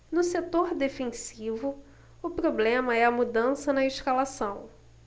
no setor defensivo o problema é a mudança na escalação